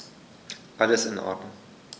Alles in Ordnung.